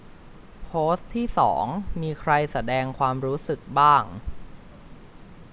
โพสต์ที่สองมีใครแสดงความรู้สึกบ้าง